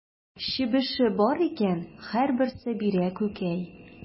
Чебеше бар икән, һәрберсе бирә күкәй.